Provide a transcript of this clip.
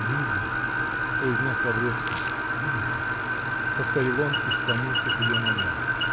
-- Лиза, -- произнес Лаврецкий, -- Лиза, -- повторил он и склонился к ее ногам.